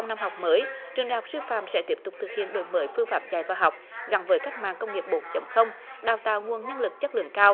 năm học mới trường đại học sư phạm sẽ tiếp tục thực hiện đổi mới phương pháp dạy và học gắn với cách mạng công nghiệp bốn chấm không đào tạo nguồn nhân lực chất lượng cao